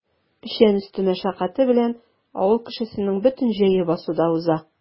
Печән өсте мәшәкате белән авыл кешесенең бөтен җәе басуда уза.